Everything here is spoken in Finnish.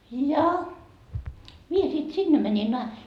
ja minä sitten sinne menin -